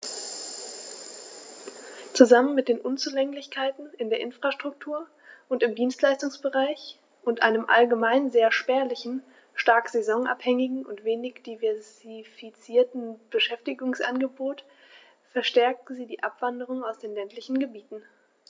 Zusammen mit den Unzulänglichkeiten in der Infrastruktur und im Dienstleistungsbereich und einem allgemein sehr spärlichen, stark saisonabhängigen und wenig diversifizierten Beschäftigungsangebot verstärken sie die Abwanderung aus den ländlichen Gebieten.